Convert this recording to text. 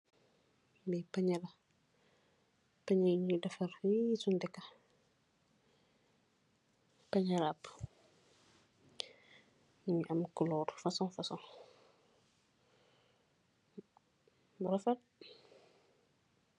Lii penyeh la, penyeh yunyi defar fii sunge deka, penyeh rabu yu am kulor fashion fashion yu rafet.